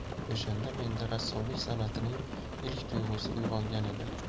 o'shanda menda rassomlik san'atining ilk tug'usi uyg'ongan edi